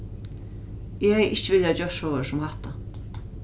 eg hevði ikki viljað gjørt sovorðið sum hatta